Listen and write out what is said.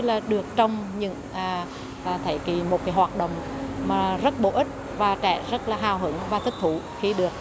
là được trồng những à ta thấy kỳ một hoạt động mà rất bổ ích và trẻ rất là hào hứng và thích thú khi được